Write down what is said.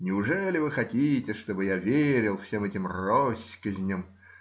неужели вы хотите, чтобы я верил всем этим россказням?